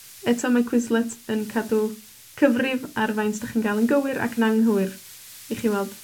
Eto mae Quizlet yn cadw cyfrif ar faint 'dach chi'n ga'l yn gywir ac yn anghywir, i chi weld